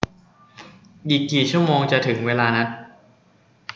อีกกี่ชั่วโมงจะถึงเวลานัด